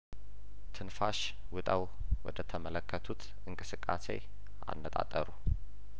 ትንፋሽ ውጠው ወደ ተመለከቱት እንቅስቃሴ አነጣጠሩ